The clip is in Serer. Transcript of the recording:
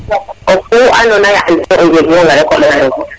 oxu ando naye andiro o njirñonge o ɗof refo